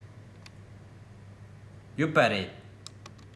ཡོད པ རེད